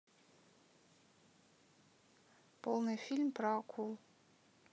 полный фильм про акул